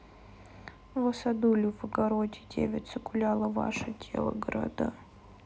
васадули в огороде девица гуляла ваша дела города